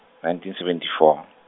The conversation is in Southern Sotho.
nineteen seventy four.